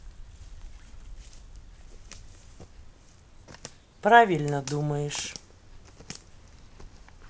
правильно думаешь